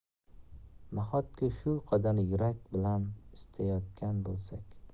nahotki shu qadar yurak bilan istayotgan bo'lsak